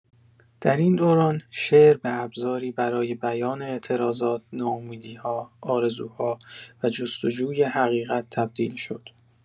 در این دوران، شعر به ابزاری برای بیان اعتراضات، ناامیدی‌ها، آرزوها، و جست‌وجوی حقیقت تبدیل شد.